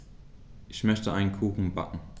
Ich möchte einen Kuchen backen.